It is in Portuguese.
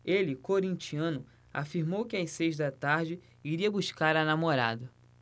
ele corintiano afirmou que às seis da tarde iria buscar a namorada